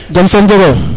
jam som jego